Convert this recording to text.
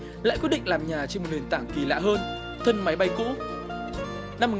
lại quyết định làm nhà trên một nền tảng kỳ lạ hơn thân máy bay cũ năm một